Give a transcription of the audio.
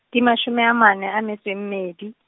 ke mashome a manne a metso e mmedi.